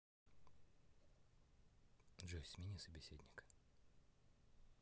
джой смени собеседника